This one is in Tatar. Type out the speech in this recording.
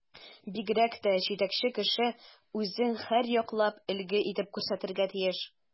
Бигрәк тә җитәкче кеше үзен һәрьяклап өлге итеп күрсәтергә тиеш.